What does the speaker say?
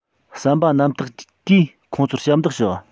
བསམ པ རྣམ དག གིས ཁོང ཚོར ཞབས འདེགས ཞུ བ